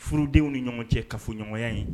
Furudenw ni ɲɔgɔn cɛ kafoɲɔgɔnya ye